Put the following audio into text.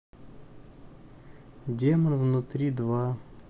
демон внутри два